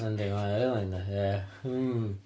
Yndi, mae o rili yndi. Ia. M-hm